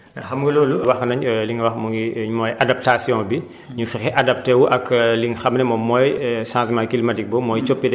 te xm nga loolu wax nañ li nga wax muy mooy adaptation bi ñu fexe adapté wu ak li nga xam ne moom mooy changement climatique boobu